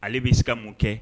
Ale bɛi se ka mun kɛ